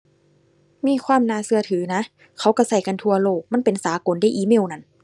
มีความน่าเชื่อถือนะ เขาเชื่อเชื่อกันทั่วโลก มันเป็นสากลเดะ อีเมลนั่น